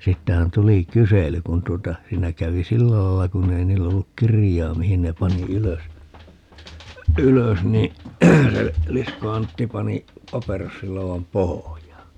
siitähän tuli kysely kun tuota siinä kävi sillä lailla kun ei niillä ollut kirjaa mihin ne pani ylös ylös niin se Liskon Antti pani paperossiloodan pohjaan